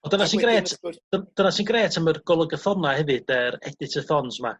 Ond dyna sy'n grêt dyn- dyna sy'n grêt am yr golygathona hefyd yr editathons 'ma.